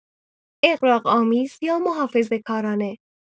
اغراق‌آمیز یا محافظه‌کارانه